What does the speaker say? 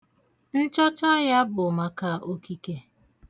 Nchọcha ya bụ maka okike.